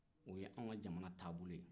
o ye anw ka jamana taabolo ye